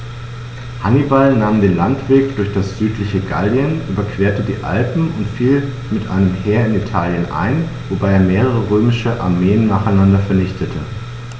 Hannibal nahm den Landweg durch das südliche Gallien, überquerte die Alpen und fiel mit einem Heer in Italien ein, wobei er mehrere römische Armeen nacheinander vernichtete.